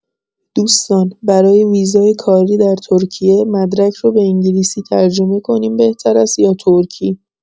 دوستان، برای ویزای کاری در ترکیه، مدرک رو به انگلیسی ترجمه کنیم بهتر هست یا ترکی؟